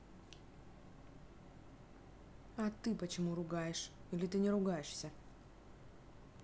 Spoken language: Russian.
а ты почему ругаешь или ты не ругаешься